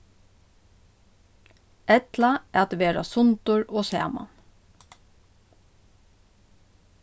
ella at vera sundur og saman